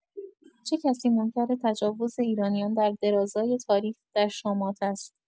چه کسی منکر تجاوز ایرانیان در درازای تاریخ، در شامات است؟